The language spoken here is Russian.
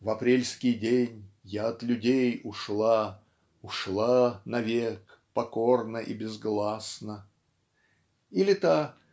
в апрельский день я от людей ушла ушла навек покорно и безгласно" или та